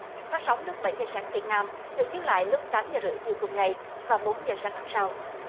phát sóng lúc bảy giờ sáng việt nam được chép lại lúc tám giờ rưỡi chiều cùng ngày và bốn giờ sáng hôm sau